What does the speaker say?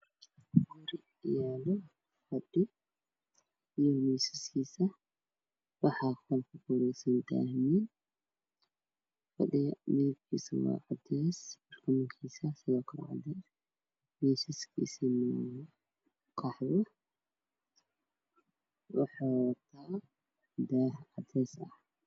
Guri yaalo fadhi io miisas waxa ku wareegsan daah madow fadhiga midabkiisu waa cadeys miisaskiisa waa qaxwi wuxuu wataa daah cadeys ah